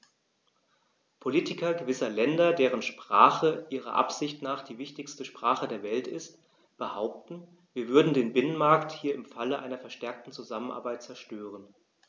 Politiker gewisser Länder, deren Sprache ihrer Ansicht nach die wichtigste Sprache der Welt ist, behaupten, wir würden den Binnenmarkt hier im Falle einer verstärkten Zusammenarbeit zerstören.